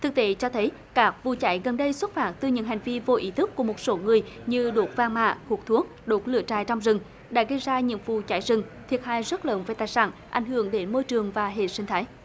thực tế cho thấy các vụ cháy gần đây xuất phát từ những hành vi vô ý thức của một số người như đốt vàng mã hút thuốc đốt lửa trại trong rừng đã gây ra những vụ cháy rừng thiệt hại rất lớn về tài sản ảnh hưởng đến môi trường và hệ sinh thái